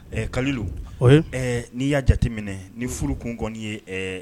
Kalilu ɛɛ n'i y'a jateminɛ ni furu kun kɔniɔni ye ɛɛ